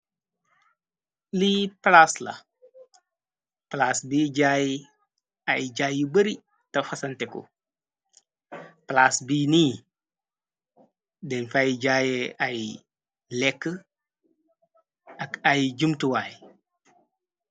Li plasla plas bi jay ay jay bri ta fasanteko plas bi ni denfai jaj aj lek a ay jumtowai.